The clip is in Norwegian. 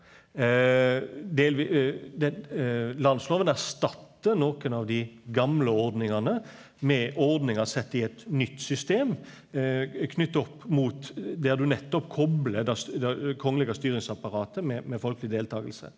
landsloven erstattar nokon av dei gamle ordningane med ordningar sette i eit nytt system knytt opp mot der du nettopp koplar det det kongelege styringsapparatet med folkeleg deltaking.